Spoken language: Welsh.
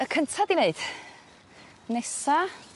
Y cynta 'di neud. Nesa.